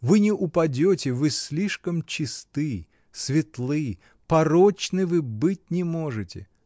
Вы не упадете, вы слишком чисты, светлы; порочны вы быть не можете.